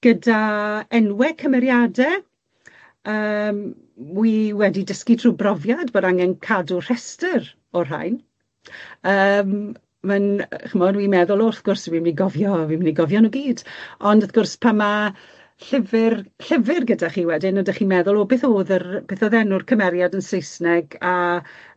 Gyda enwe cymeriade yym wi wedi dysgu trw brofiad bod angen cadw rhestyr o'r rhain yym ma'n yy ch'mod wi'n meddwl o wrth gwrs fi myn' i gofio fi'n myn' i gofio nw gyd ond wrth gwrs pan ma' llyyfr llyfyr gyda chi wedyn rydych chi'n meddwl o beth o'dd yr beth o'dd enw'r cymeriad yn Saesneg a